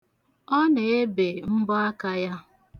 Ọ na-ebe mbọaka ya.